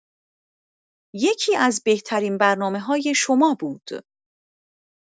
یکی‌از بهترین برنامه‌‌های شما بود.